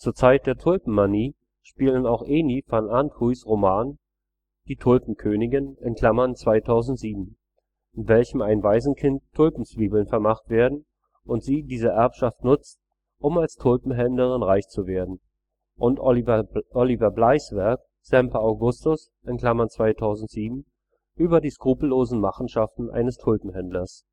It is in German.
Zeit der Tulpenmanie spielen auch Enie van Aanthuis’ Roman Die Tulpenkönigin (2007), in welchem einem Waisenkind Tulpenzwiebeln vermacht werden und sie diese Erbschaft nutzt, um als Tulpenhändlerin reich zu werden, und Olivier Bleys’ Werk Semper Augustus (2007) über die skrupellosen Machenschaften eines Tulpenhändlers